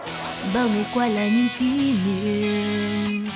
bao ngày qua là những kỉ niệm